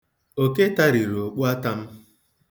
Oke tariri okpuata m.